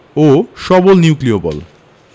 ও সবল নিউক্লিয় বল